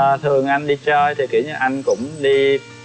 ờ thì thường anh đi chơi thì anh cũng đi